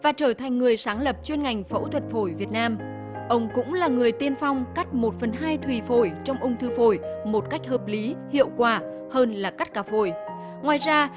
và trở thành người sáng lập chuyên ngành phẫu thuật phổi việt nam ông cũng là người tiên phong cắt một phần hai thùy phổi trong ung thư phổi một cách hợp lý hiệu quả hơn là cắt cả phổi ngoài ra